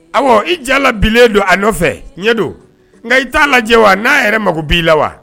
Ɔwɔ i diya labilen don a nɔfɛ ɲɛ don nga i ta lajɛ wa na yɛrɛ mako bi la wa?